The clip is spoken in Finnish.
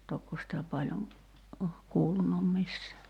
tokko sitä paljon on kuulunut missään